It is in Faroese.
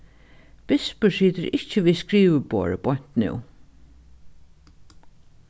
bispur situr ikki við skriviborðið beint nú